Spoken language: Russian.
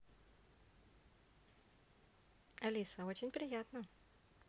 алиса очень приятно